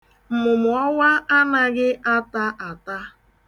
Mmụmụọwa anaghị ata ata.